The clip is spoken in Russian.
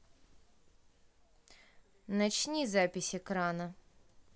начни запись экрана